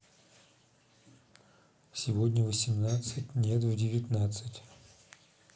сегодня в восемнадцать нет в девятнадцать